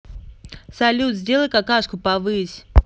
салют сделай какашку повысь